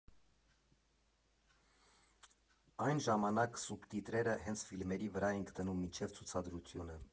Այն ժամանակ սուբտիտրերը հենց ֆիլմերի վրա էինք դնում մինչև ցուցադրությունը։